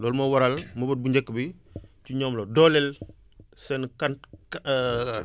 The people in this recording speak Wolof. loolu moo waral mëbët bu njëkk bi ci ñoom la dooleel seen kan